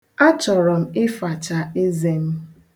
Achọrọ m ịfacha eze m.